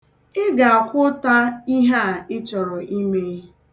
Ị ga-akwa ụta ihe a ị chọrọ ime.